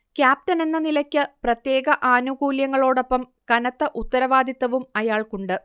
ക്യാപ്റ്റനെന്ന നിലയ്ക്ക് പ്രത്യേക ആനുകൂല്യങ്ങളോടൊപ്പം കനത്ത ഉത്തരവാദിത്തവും അയാൾക്കുണ്ട്